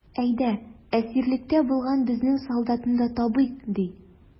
Әйдә, әсирлектә булган безнең солдатны да табыйк, ди.